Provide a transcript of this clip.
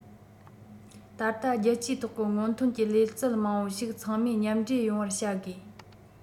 ད ལྟ རྒྱལ སྤྱིའི ཐོག གི སྔོན ཐོན གྱི ལག རྩལ མང པོ ཞིག ཚང མས མཉམ འདྲེས ཡོང བར བྱ དགོས